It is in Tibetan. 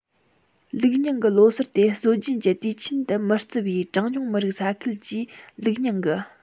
ལུགས རྙིང གི ལོ སར དེ སྲོལ རྒྱུན གྱི དུས ཆེན དུ མི བརྩི བའི གྲངས ཉུང མི རིགས ས ཁུལ གྱིས ལུགས རྙིང གི